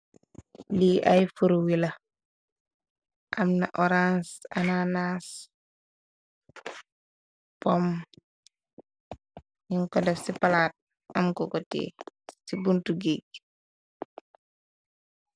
Lii ay furuwila, amna oranse, ananas, pom ñin ko def ci palaat am ku ko tiye, ci buntu geej gi.